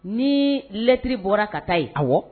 Nilɛtri bɔra ka taa yen a wa